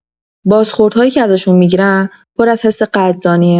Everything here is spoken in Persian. بازخوردهایی که ازشون می‌گیرم پر از حس قدردانیه.